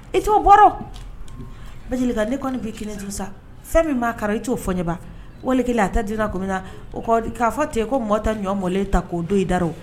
I t'o bɔra jelikɛ ne kɔni b'i kelen sa fɛn min b'a kɛra i t'o fɔɲaba wali kelen a tɛ di kɔmi min na o k'a fɔ ten yen ko mɔ ta ɲɔ mɔlen ta k'o don i daraw o